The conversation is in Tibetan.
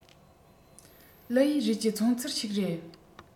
ལིའུ ཡུས རུས ཀྱི མཚོན ཚུལ ཞིག རེད